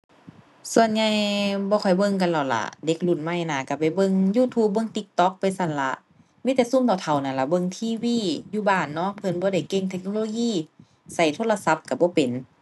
ส่วนใหญ่บ่ค่อยเบิ่งกันแล้วล่ะ เด็กรุ่นใหม่น่าก็ไปเบิ่ง YouTube เบิ่ง TikTok ไปซั้นล่ะมีแต่ซุมเฒ่าเฒ่านั่นล่ะเบิ่ง TV อยู่บ้านเนาะเพิ่นบ่ได้เก่งเทคโนโลยีก็โทรศัพท์ก็บ่เป็น